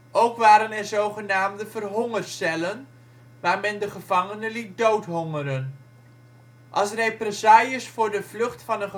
Ook waren er zogenaamde " verhongercellen ", waar men de gevangenen liet doodhongeren. Als represailles voor de vlucht van een